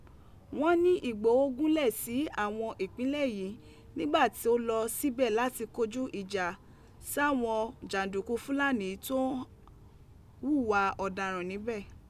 Wọn ni Igboho gunlẹ si awọn ipinlẹ yii nigba to lọ sibẹ lati kọju ija sawọn janduku Fulani to n huwa ọdaran nibẹ.